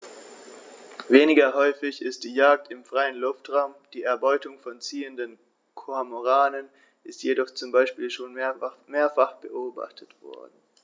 Weniger häufig ist die Jagd im freien Luftraum; die Erbeutung von ziehenden Kormoranen ist jedoch zum Beispiel schon mehrfach beobachtet worden.